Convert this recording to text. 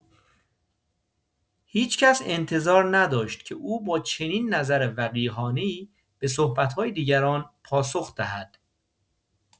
هیچ‌کس انتظار نداشت که او با چنین نظر وقیحانه‌ای به صحبت‌های دیگران پاسخ دهد.